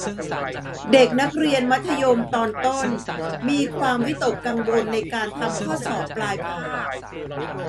เด็กนักเรียนมัธยมตอนต้นมีความวิตกกังวลในการทำข้อสอบปลายภาค